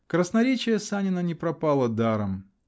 Красноречие Санина не пропало даром.